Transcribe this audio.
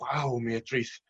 waw mi edrith